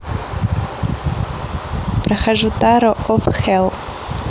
прохожу таро of hell